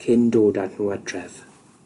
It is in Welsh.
cyn dod ag nhw adref.